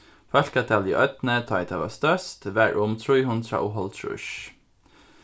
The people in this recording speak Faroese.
fólkatalið í oynni tá ið tað var størst var um trý hundrað og hálvtrýss